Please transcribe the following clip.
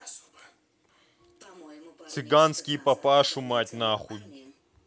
цыганские папашу мать нахуй